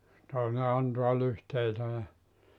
toinen antaa lyhteitä ja